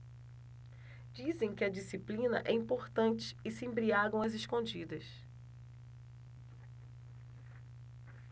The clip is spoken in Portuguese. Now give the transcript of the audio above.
dizem que a disciplina é importante e se embriagam às escondidas